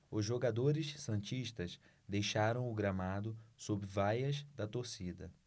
os jogadores santistas deixaram o gramado sob vaias da torcida